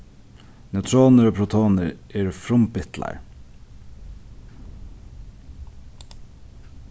neutronir og protonir eru frumbitlar